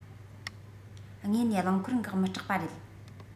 དངོས ནས རླངས འཁོར འགག མི སྐྲག པ རེད